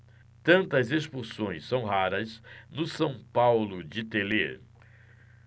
tantas expulsões são raras no são paulo de telê